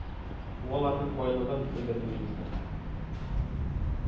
Бу аларның байлыгы , дип белдерде министр